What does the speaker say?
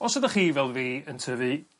Os ydach chi fel fi yn tyfu